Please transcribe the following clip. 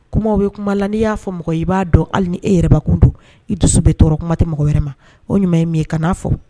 Kuma bɛ kuma la n'i y'a fɔ mɔgɔ i b'a dɔn hali ni e yɛrɛraba kun don i dusu bɛ tɔɔrɔ kuma tɛ mɔgɔ wɛrɛ ma o ɲuman ye min ye kan fɔ